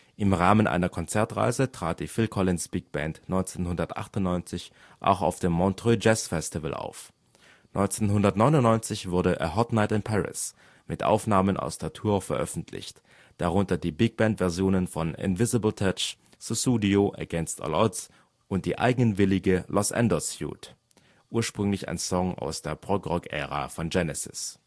Im Rahmen einer Konzertreise trat die Phil Collins Big Band 1998 auch auf dem Montreux Jazz Festival auf. 1999 wurde A Hot Night in Paris mit Aufnahmen aus der Tour veröffentlicht, darunter die Big Band-Versionen von Invisible Touch, Sussudio, Against All Odds und die eigenwillige Los Endos Suite, ursprünglich ein Song aus der Progrock-Ära von Genesis